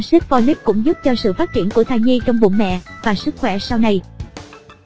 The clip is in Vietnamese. axit folic cũng giúp cho sự phát triển của thai nhi trong bụng mẹ và sức khoẻ sau này